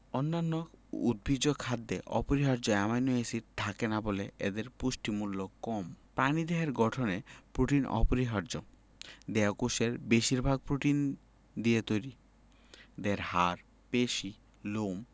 অন্যান্য উদ্ভিজ্জ খাদ্যে অপরিহার্য অ্যামাইনো এসিড থাকে না বলে এদের পুষ্টিমূল্য কম প্রাণীদেহের গঠনে প্রোটিন অপরিহার্য দেহকোষের বেশির ভাগই প্রোটিন দিয়ে তৈরি দেহের হাড় পেশি লোম